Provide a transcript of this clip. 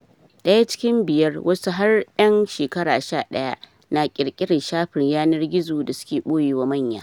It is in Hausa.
Daya cikin yara biyar - wasu har yan shekara 11 - na kirkirar shafin yanar gizo da suke boyema manya.